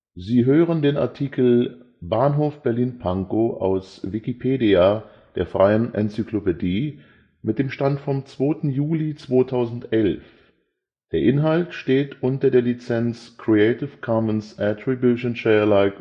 Sie hören den Artikel Bahnhof Berlin-Pankow, aus Wikipedia, der freien Enzyklopädie. Mit dem Stand vom Der Inhalt steht unter der Lizenz Creative Commons Attribution Share